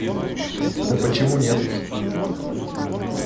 да почему нет